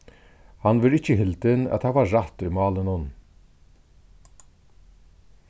hann verður ikki hildin at hava rætt í málinum